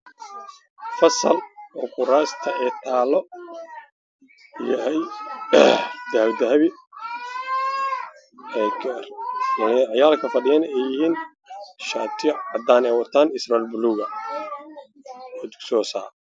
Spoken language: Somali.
Fasalkurasta Aytaalo yahay dahabidahabi ciyaalkafadhiyo ay yihiin shaatiyocadan aywataan iyo sirwaalbalugah odugsihoseah